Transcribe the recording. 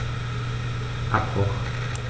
Abbruch.